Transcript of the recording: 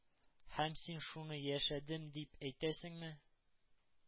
Һәм син шуны яшәдем дип әйтәсеңме?